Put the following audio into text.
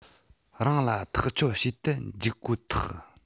རང ལ ཐག གཅོད བྱེད དུ འཇུག ཀོ ཐག